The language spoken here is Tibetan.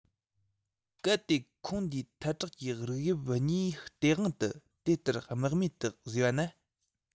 གལ ཏེ ཁོངས འདིའི ཐལ དྲགས ཀྱི རིགས དབྱིབས གཉིས སྟེས དབང དུ དེ ལྟར རྨེག མེད དུ བཟོས པ ན